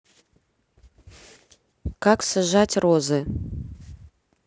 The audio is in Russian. как сажать розы